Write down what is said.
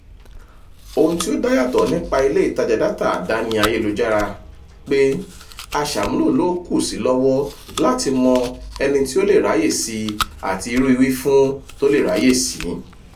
Ohun tí ó dá yàtọ̀ nípa ilé ìtàjà dátà àdáni ayelujára pé aṣàmúlò ló kù sí lọ́wọ́ láti mọ ẹni tí ó le ráyèsí àti irú ìwífún tó le ráyèsí.